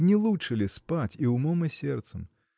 не лучше ли спать и умом и сердцем?